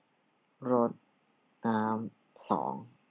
รดน้ำสอง